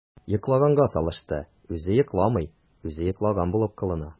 “йоклаганга салышты” – үзе йокламый, үзе йоклаган булып кылана.